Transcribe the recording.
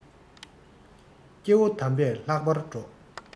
སྐྱེ བོ དམ པས ལྷག པར སྒྲོགས